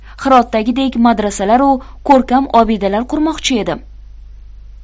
hirotdagidek madrasalaru ko'rkam obidalar qurmoqchi edim